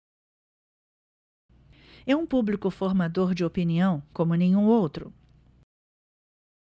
é um público formador de opinião como nenhum outro